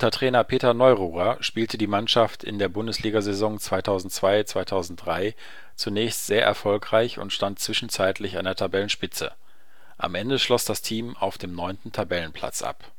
Trainer Peter Neururer spielte die Mannschaft in der Bundesligasaison 2002/03 zunächst sehr erfolgreich und stand zwischenzeitlich an der Tabellenspitze. Am Ende schloss das Team auf dem neunten Tabellenplatz ab